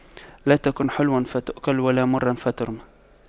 لا تكن حلواً فتؤكل ولا مراً فترمى